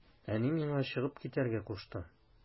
Әни миңа чыгып китәргә кушты.